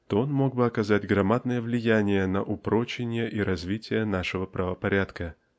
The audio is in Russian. то он мог бы оказать громадное влияние на упрочение и развитие нашего правопорядка.